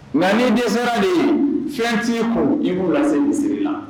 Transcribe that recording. Nga ni dɛsɛ la de , fɛn ti kun i bo lase misiri la.